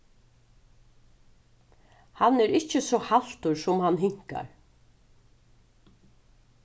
hann er ikki so haltur sum hann hinkar